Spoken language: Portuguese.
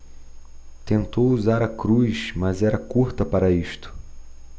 tentou usar a cruz mas era curta para isto